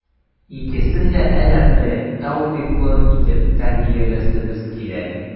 Икесен дә әдәпле, тәүфыйклы итеп тәрбиялисебез килә.